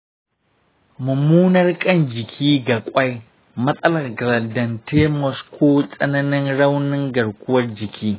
mummunar ƙan-jiki ga kwai, matsalar glandan thymus, ko tsananin raunin garkuwar jiki.